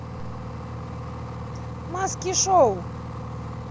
маски шоу